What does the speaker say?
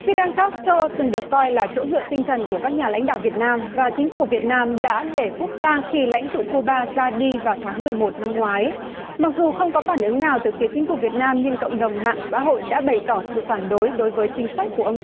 phi đen cát trô từng được coi là chỗ dựa tinh thần của các nhà lãnh đạo việt nam và chính phủ việt nam đã để quốc tang khi lãnh tụ cu ba ra đi vào tháng mười một năm ngoái mặc dù không có phản ứng nào từ phía chính phủ việt nam nhưng cộng đồng mạng xã hội đã bày tỏ sự phản đối đối với chính sách của ông